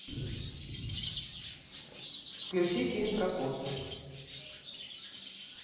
включи фильм про космос